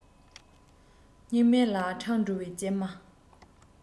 སྙིང མེད ལ འཕྲང སྒྲོལ བའི སྐྱེལ མ